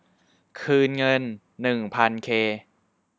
คืนเงินหนึ่งพันเค